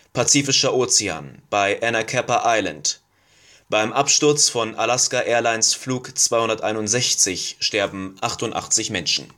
Pazifischer Ozean/bei Anacapa Island: Beim Absturz von Alaska-Airlines-Flug 261 sterben 88 Menschen